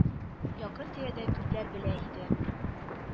Якын-тирәдә күпләр белә иде.